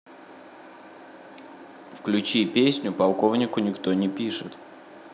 включи песню полковнику никто не пишет